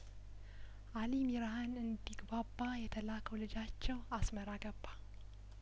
አሊ ሚራህን እንዲግባባ የተላከው ልጃቸው አስመራ ገባ